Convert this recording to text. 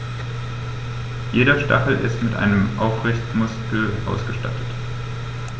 Jeder Stachel ist mit einem Aufrichtemuskel ausgestattet.